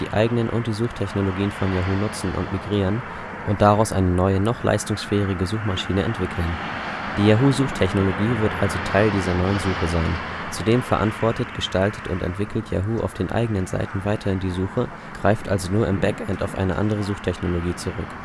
eigenen und die Suchtechnologien von Yahoo nutzen und migrieren und daraus eine neue, noch leistungsfähigere Suchmaschine entwickeln. Die Yahoo-Suchtechnologie wird also Teil dieser neuen Suche sein. Zudem verantwortet, gestaltet und entwickelt Yahoo auf den eigenen Seiten weiterhin die Suche, greift also nur im Backend auf eine andere Suchtechnologie zurück